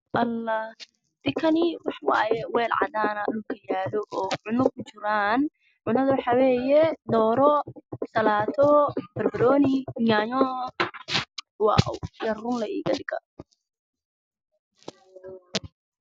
Weel cadaan ah oo cuna kujiraan